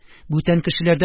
Бүтән кешеләрдә